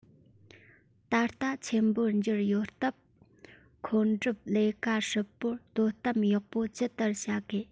ད ལྟ ཆེན པོར གྱུར ཡོད སྟབས མཁོ སྒྲུབ ལས ཀ ཧྲིལ པོར དོ དམ ཡག པོ ཇི ལྟར བྱ དགོས